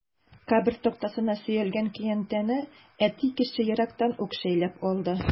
Кабер тактасына сөялгән көянтәне әти кеше ерактан ук шәйләп алды.